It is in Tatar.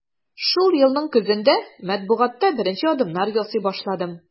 Шул елның көзендә матбугатта беренче адымнар ясый башладым.